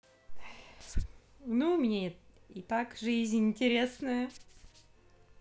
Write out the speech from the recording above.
ну у меня и так жизнь интересная